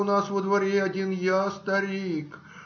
У нас во дворе один я старик.